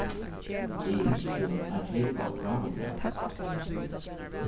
eg ynski at keypa eitt gávubræv